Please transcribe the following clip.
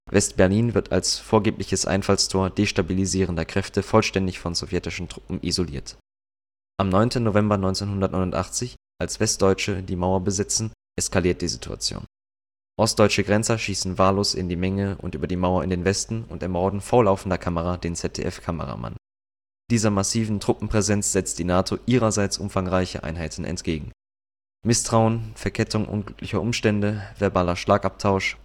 Westberlin wird als vorgebliches Einfallstor destabilisierender Kräfte vollständig von sowjetischen Truppen isoliert. Am 9. November 1989, als Westdeutsche die Mauer besetzen, eskaliert die Situation. Ostdeutsche Grenzer schießen wahllos in die Menge und über die Mauer in den Westen und ermorden vor laufender Kamera den ZDF-Kameramann. Dieser massiven Truppenpräsenz setzt die NATO ihrerseits umfangreiche Einheiten entgegen. Misstrauen, Verkettung unglücklicher Umstände, verbaler Schlagabtausch